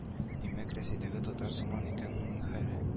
Димәк рәсәйдәге татар сыман икән моның хәле